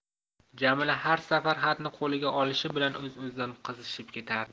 jamila har safar xatni qo'liga olishi bilan o'z o'zidan qizishib ketardi